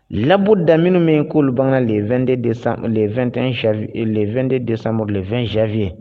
Labudamin min in ko'olu bange 2de de 2te 2 desanmo 2 zvyye